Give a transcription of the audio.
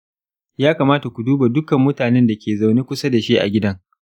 yakamata ku duba dukkan mutanen da ke zaune kusa da shi a gidan.